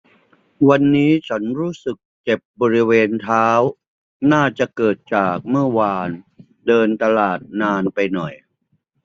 วันนี้ฉันรู้สึกเจ็บบริเวณเท้าน่าจะเกิดจากเมื่อวานเดินตลาดนานไปหน่อย